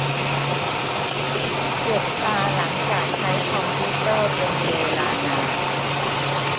เจ็บตาหลังจากใช้คอมพิวเตอร์เป็นเวลานาน